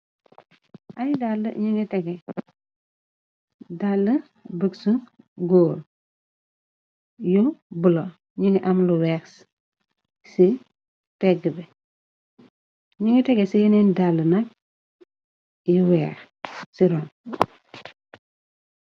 Ayy dall nengi tegge dàll bëegsu góor yu blo ñengi am lu weex c ci tegg bi ñingi tegge ci yeneen dall nag yi weex ci ron.